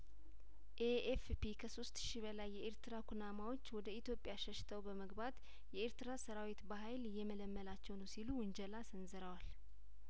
ኤኤፍፒ ከሶስት ሺ በላይ የኤርትራ ኩናማዎች ወደ ኢትዮጵያ ሸሽተው በመግባት የኤርትራ ሰራዊት በሀይል እየመለመላቸው ነው ሲሉ ውንጀላ ሰንዝረዋል